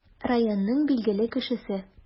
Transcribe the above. Районның билгеле кешесе.